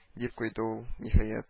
— дип куйды ул, ниһаять